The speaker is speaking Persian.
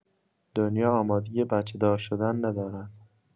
دنیا آمادگی بچه‌دار شدن ندارد.